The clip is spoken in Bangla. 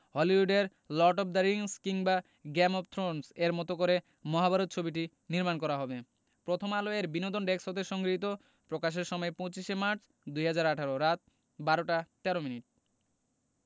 হলিউডের লর্ড অব দ্য রিংস কিংবা গেম অব থ্রোনস এর মতো করে মহাভারত ছবিটি নির্মাণ করা হবে প্রথমআলো এর বিনোদন ডেস্ক হতে সংগৃহীত প্রকাশের সময় ২৫ সে মার্চ ২০১৮ রাত ১২ টা ১৩ মিনিট